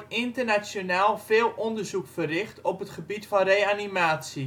internationaal veel onderzoek verricht op het gebied van reanimatie